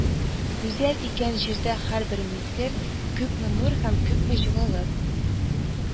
Гүзәл икән җирдә һәрбер мизгел, Күпме нур һәм күпме җылылык